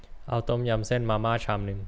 เอาต้มยำเส้นมาม่าชามนึง